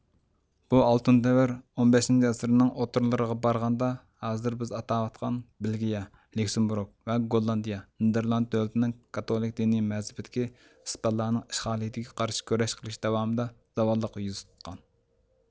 بۇ ئالتۇن دەۋر ئون بەشىنچى ئەسىرنىڭ ئوتتۇرىلىرىغا بارغاندا ھازىر بىز ئاتاۋاتقان بېلگىيە ليۇكسېمبۇرگ ۋە گوللاندىيە نېدېرلاند دۆلىتىنىڭ كاتولىك دىنىي مەزھىپىدىكى ئىسپانلارنىڭ ئىشغالىيىتىگە قارشى كۈرەش قىلىش داۋامىدا زاۋاللىققا يۈز تۇتقان